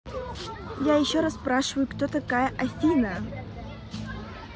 я еще раз спрашиваю кто такая афина